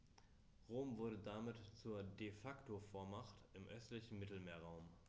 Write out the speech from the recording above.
Rom wurde damit zur ‚De-Facto-Vormacht‘ im östlichen Mittelmeerraum.